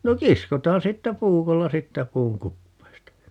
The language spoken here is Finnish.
no kiskotaan siitä puukolla siitä puun kupeesta